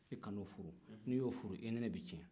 i kan'o furu n'i y'o furu i ni ne bɛ tiɲɛ